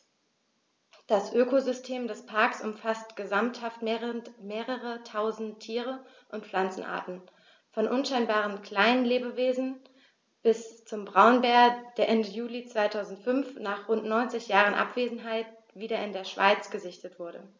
Das Ökosystem des Parks umfasst gesamthaft mehrere tausend Tier- und Pflanzenarten, von unscheinbaren Kleinstlebewesen bis zum Braunbär, der Ende Juli 2005, nach rund 90 Jahren Abwesenheit, wieder in der Schweiz gesichtet wurde.